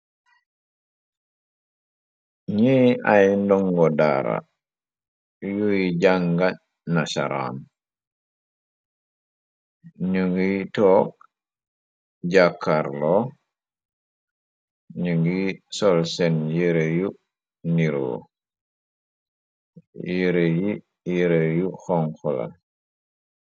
niy ay ndongo daara yuy jàng na sharamnu ngiy toog jàkkarlo ñu ngiy sol seen yere yu niroo yre yi yere yu xonxula